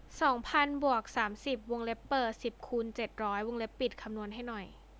สองพันบวกสามสิบวงเล็บเปิดสิบคูณเจ็ดร้อยวงเล็บปิดคำนวณให้หน่อย